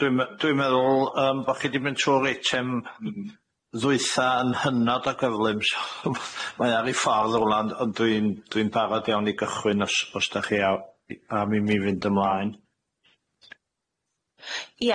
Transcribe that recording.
Dwi'n me- dwi'n meddwl yym bo chi 'di mynd trw'r eitem ddwytha yn hynod o gyflym so m- mae ar ei ffordd yn rwla ond dwi'n dwi'n barod iawn i gychwyn os os dach chi a- i- am i mi fynd ymlaen.